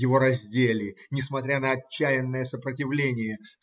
Его раздели, несмотря на отчаянное сопротивление.